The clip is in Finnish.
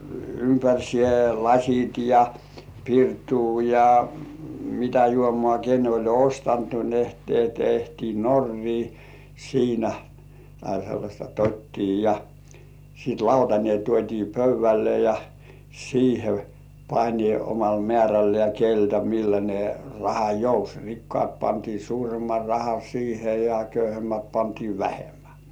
ympäriinsä lasit ja pirtua ja mitä juomaa ken oli ostanut ne - tehtiin norria siinä tai sellaista totia ja sitten lautanen tuotiin pöydälle ja siihen pani omalla määrällään keneltä millainen raha jouti rikkaat pantiin suuremman rahan siihen ja köyhemmät pantiin vähemmän